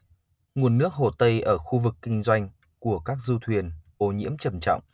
nguồn nước hồ tây ở khu vực kinh doanh của các du thuyền ô nhiễm trầm trọng